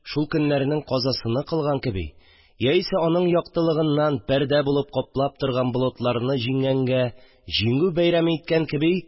Яисә аның яктылыгыннан пәрдә бул ып каплап торган болытларны җиңгәнгә «җиңү бәйрәме» иткән кеби